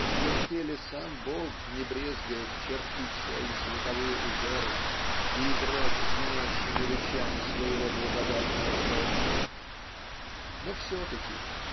на чьем теле сам Бог не брезгает чертить свои световые узоры и играть звенящими лучами своего благодатного солнца?. Но все-таки